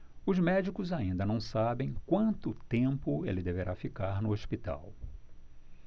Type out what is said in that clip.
os médicos ainda não sabem quanto tempo ele deverá ficar no hospital